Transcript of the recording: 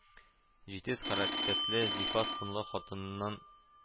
Җитез хәрәкәтле, зифа сынлы хатыныннан